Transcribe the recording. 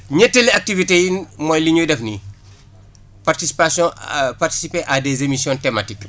ñetteelu activité yi mooy li ñuy def nii participation participer à des émission thématiques